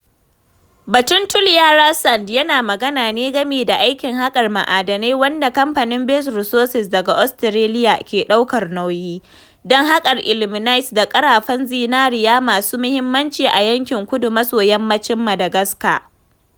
Batun Toliara Sands yana magana ne game da aikin haƙar ma'adinai wanda kamfanin Base Resources daga Ostareliya ke ɗaukar nauyi, don haƙar ilmenite da ƙarafan zinariya masu mahimmanci a yankin kudu maso yammacin Madagascar.